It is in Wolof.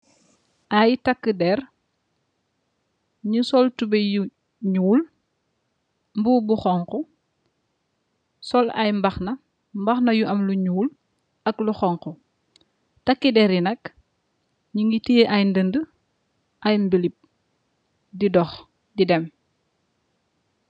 Aiiy takue dehrr nju sol tubeiyy yu njull, mbubu bu honhu, sol aiiy mbahanah, mbahanah yu am lu njull ak lu honhu, takue dehrr yii nak njungy tiyeh aiiy ndendi, aiiy mbilip di dokh di dem.